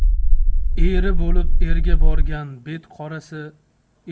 eri bo'lib erga borgan bet qorasi